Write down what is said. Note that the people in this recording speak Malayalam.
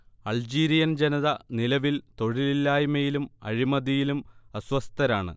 അൾജീരിയൻ ജനത നിലവിൽ തൊഴിലില്ലായ്മയിലും അഴിമതിയിലും അസ്വസ്ഥരാണ്